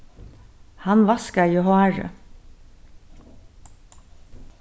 hann vaskaði hárið